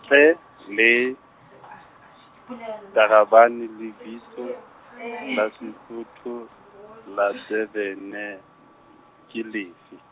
ntle le, Tarabane lebitso, la Sesotho, la Durban nne, ke lefe?